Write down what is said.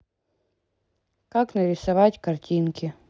как нарисовать картинки